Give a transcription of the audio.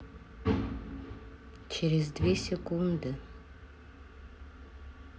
через две секунды